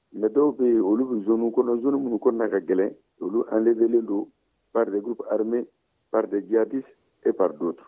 mais dɔw bɛ olu bɛ zoniw kɔnɔ zoniw minnu kɔnɔna na ka gɛlɛn olu enlevelen don par des groupes armes par des djihadistes et par d'autres